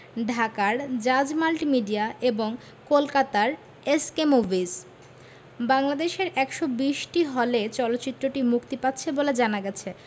ঢাকার জাজ মাল্টিমিডিয়া এবং কলকাতার এস কে মুভিজ বাংলাদেশের ১২০টি হলে চলচ্চিত্রটি মুক্তি পাচ্ছে বলে জানা গেছে